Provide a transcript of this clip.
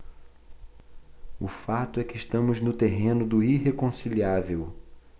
o fato é que estamos no terreno do irreconciliável